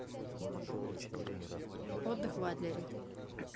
отдых в адлере